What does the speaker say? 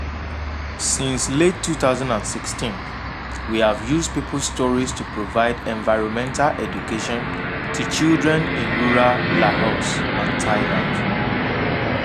Since late 2016, we have used people’s stories to provide environmental education to children in rural Laos and Thailand.